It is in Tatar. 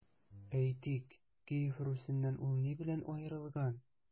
Әйтик, Киев Русеннан ул ни белән аерылган?